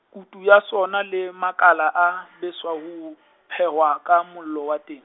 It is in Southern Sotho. kutu ya sona le makala, a a beswa ho, phehwa, ka mollo wa teng.